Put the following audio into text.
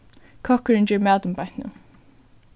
kokkurin ger matin beint nú